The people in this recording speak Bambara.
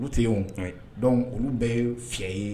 Olu tɛ yen o dɔn olu bɛɛ ye fiyɛ ye